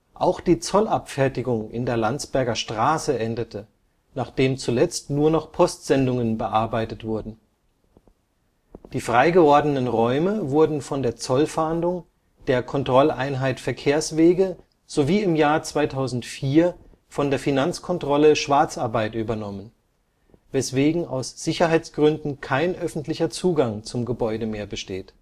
Auch die Zollabfertigung in der Landsberger Straße endete, nachdem zuletzt nur noch Postsendungen bearbeitet wurden. Die freigewordenen Räume wurden von der Zollfahndung, der Kontrolleinheit Verkehrswege sowie 2004 von der Finanzkontrolle Schwarzarbeit übernommen, weshalb aus Sicherheitsgründen kein öffentlicher Zugang zum Gebäude mehr besteht